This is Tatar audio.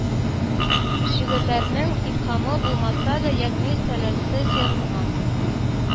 Шигырьләрнең илһамы булмаса да, ягъни сәләтсез язылган